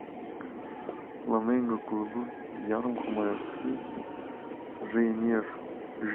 flamengo klubi yarim himoyachisi reynier